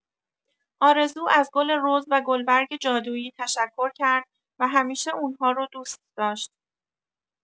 آرزو از گل رز و گلبرگ جادویی تشکر کرد و همیشه اون‌ها رو دوست داشت.